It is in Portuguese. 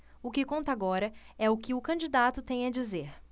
o que conta agora é o que o candidato tem a dizer